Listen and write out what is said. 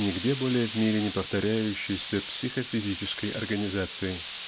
нигде более в мире не повторяющейся психо-физической организацией.